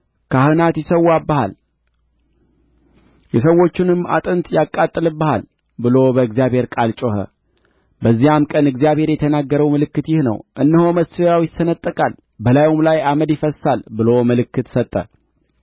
ካህናት ይሠዋብሃል የሰዎቹንም አጥንት ያቃጥልብሃል ብሎ በእግዚአብሔር ቃል ጮኸ በዚያም ቀን እግዚአብሔር የተናገረው ምልክት ይህ ነው እነሆ መሠዊያው ይሰነጠቃል በላዩም ያለው አመድ ይፈስሳል ብሎ ምልክት ሰጠ